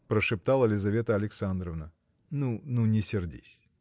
– прошептала Лизавета Александровна. – Ну, ну, не сердись